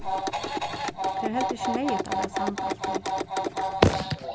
tað er heldur ikki neyðugt at vera samd altíð